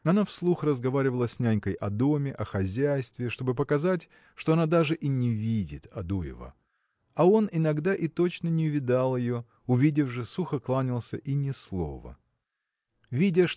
Она вслух разговаривала с нянькой о доме о хозяйстве чтобы показать что она даже и не видит Адуева. А он иногда и точно не видал ее увидев же сухо кланялся – и ни слова. Видя